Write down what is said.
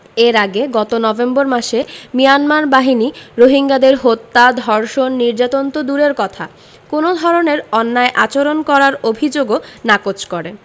এর আগে গত নভেম্বর মাসে মিয়ানমার বাহিনী রোহিঙ্গাদের হত্যা ধর্ষণ নির্যাতন তো দূরের কথা কোনো ধরনের অন্যায় আচরণ করার অভিযোগও নাকচ করে